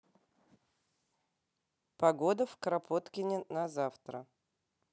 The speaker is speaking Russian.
погода в кропоткине на завтра